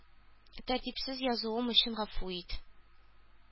Тәртипсез язуым өчен гафу ит.